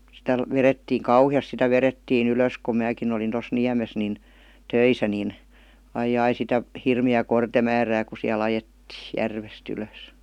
sitä vedettiin kauheasti sitä vedettiin ylös kun minäkin olin tuossa Niemessä niin töissä niin aijaijai sitä hirmeää kortemäärää kun siellä ajettiin järvestä ylös